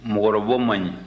mɔgɔrɔbɔ man ɲi